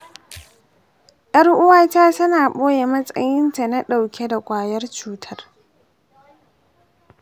yar uwata tana ɓoye matsayin ta na ɗauke da kwayar cutar.